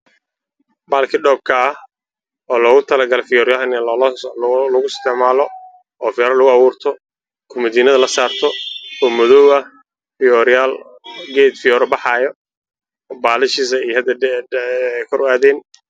Waxa ay muuqda geed ku jiro garaafo